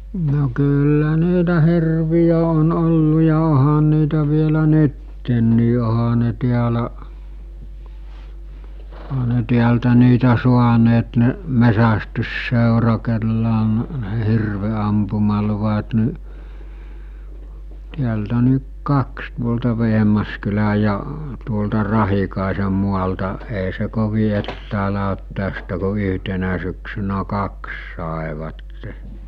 no kyllä niitä hirviä on ollut ja onhan niitä vielä nytkin onhan ne täällä onhan ne täältä niitä saaneet ne metsästysseura kenellä on ne hirvenampumaluvat niin täältä niin kaksi tuolta Vehmaskylän ja tuolta Rahikaisen maalta ei se kovin etäällä ole tästä kun yhtenä syksynä kaksi saivat